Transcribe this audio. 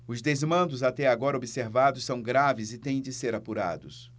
os desmandos até agora observados são graves e têm de ser apurados